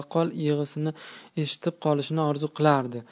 loaqal yig'isini eshitib qolishni orzu qilardi